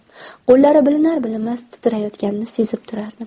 qo'llari bilinar bilinmas titrayotganini sezib turardim